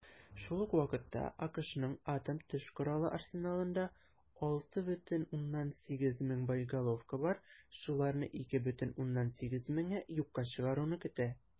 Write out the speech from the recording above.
Шул ук вакытта АКШның атом төш коралы арсеналында 6,8 мең боеголовка бар, шуларны 2,8 меңе юкка чыгаруны көтә.